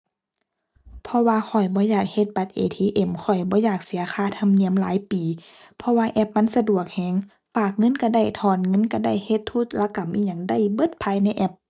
เพราะว่าข้อยบ่อยากเฮ็ดบัตร ATM ข้อยบ่อยากเสียค่าธรรมเนียรายปี เพราะว่าแอปมันสะดวกแรง ฝากเงินแรงได้ ถอนเงินแรงได้ เฮ็ดธุรกรรมอิหยังได้เบิดภายในแอป